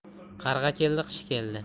qarg'a keldi qish keldi